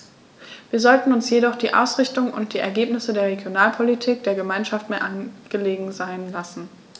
Wir sollten uns jedoch die Ausrichtung und die Ergebnisse der Regionalpolitik der Gemeinschaft mehr angelegen sein lassen.